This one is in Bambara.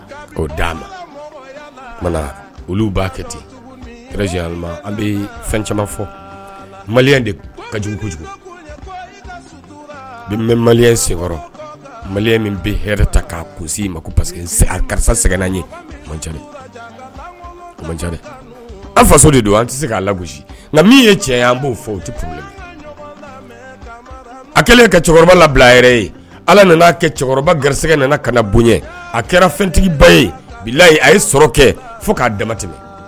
D olu'a kɛ ten an bɛ fɛn caman fɔ mali ka jugu kojugu mali sen mali min bɛ hɛrɛɛ ta k' gosi maseke karisa sɛgɛnna ye ca ca faso de don an tɛ se k'a la gosi nka min ye cɛ ye an b'o fɔ o a kɛlen ka cɛkɔrɔba labila a yɛrɛ ye ala nana kɛ cɛkɔrɔba garisɛgɛ nana ka bonya a kɛra fɛntigiba yeyi a ye sɔrɔ kɛ fo k'a dama tɛmɛ